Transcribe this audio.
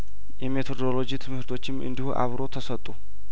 የሜቶዶሎጂ ትምህርቶችም እንዲሁ አብሮ ተሰጡ